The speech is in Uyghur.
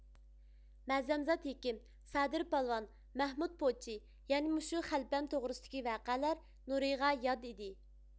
مەزەمزات ھېكىم سادىر پالۋان ماھمۇت پوچى يەنە مۇشۇ خەلپەم توغرىسىدىكى ۋەقەلەر نۇرىغا ياد ئىدى